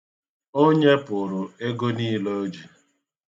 O nyepụrụ ego niile o ji.